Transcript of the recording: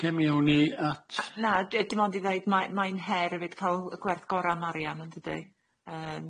Na oce mi wn i at Na d- yy dim ond i ddeud ma' mae'n her efyd ca'l y gwerth gora' Marian yn dydi?